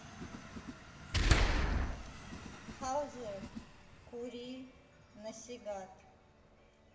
hauser кури насигат